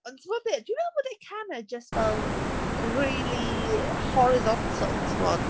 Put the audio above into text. Ond ti'n gwybod be, dwi'n meddwl bod Akena jyst fel really horizontal timod.